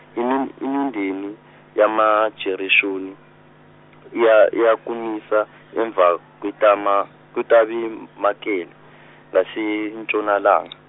imi- imindeni yamaGereshoni, iya- iyakumisa emva kwetama- kwetabemakele ngasentshonalanga.